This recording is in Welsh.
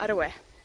ar y we.